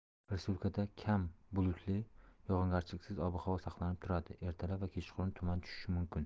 respublikada kam bulutli yog'ingarchiliksiz ob havo saqlanib turadi ertalab va kechqurun tuman tushishi mumkin